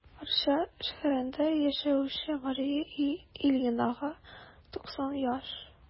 Арча шәһәрендә яшәүче Мария Ильинага 90 яшь.